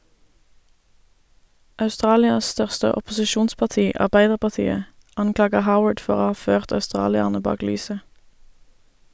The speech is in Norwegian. Australias største opposisjonsparti - Arbeiderpartiet - anklager Howard for å ha ført australierne bak lyset.